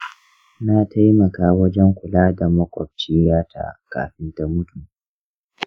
na taimaka wajen kula da maƙwabciyata kafin ta mutu.